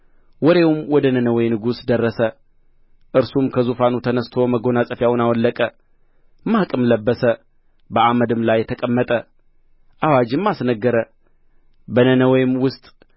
ወሬውም ወደ ነነዌ ንጉሥ ደረሰ እርሱም ከዙፋኑ ተነሥቶ መጐናጸፊያውን አወለቀ ማቅም ለበሰ በአመድም ላይ ተቀመጠ አዋጅም አስነገረ በነነዌም ውስጥ